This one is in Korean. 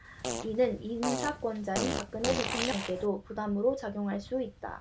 이는 인사권자인 박근혜 대통령에게도 부담으로 작용할 수 있다